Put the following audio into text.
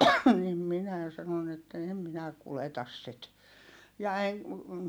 niin minä sanoin että en minä kuljeta sitä ja en